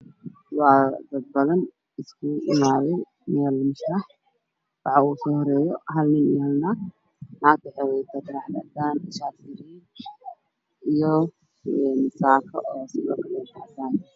Meeshaan waxaa iskugu imaaday dad badan meel miis ah waxaa ugu soo horeeyo hal nin iyo hal naag. Naagtu waxaa wadataa taraaxad cadaan ah iyo saako cadaan ah.